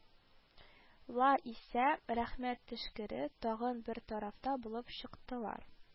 Ла исә, рәхмәт төшкере, тагын бер тарафта булып чыктылар